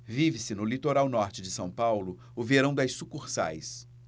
vive-se no litoral norte de são paulo o verão das sucursais